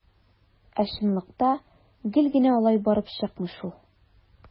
Ә чынлыкта гел генә алай барып чыкмый шул.